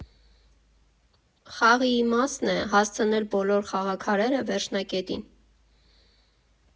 Խաղի իմաստն է՝ հասցնել բոլոր խաղաքարերը վերջնակետին։